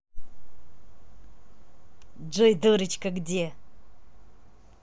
джой дурочка где